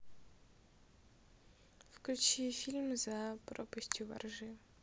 включи фильм за пропастью во ржи